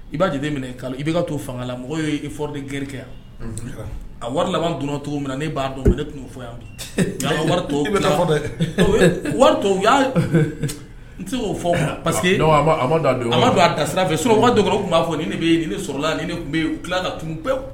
I b'a jɛ minɛ' i bɛ ka to fanga la mɔgɔw y' fɔra ni garikɛ yan a wari laban donna cogo min na ne b'a dɔn ne tun fɔ yan to fɔ dɛ wari to'a n se'o fɔ parce que don ma don a da sira fɛ soba dɔrɔn b'a fɔ ni bɛ sɔrɔla ni tun bɛ tila na tun bɛɛ